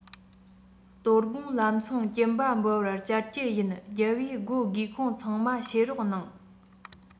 དོ དགོང ལམ སེང སྐྱིན པ འབུལ བར བཅར གྱི ཡིན རྒྱལ པོས སྒོ སྒེའུ ཁུང ཚང མ ཕྱེ རོགས གནང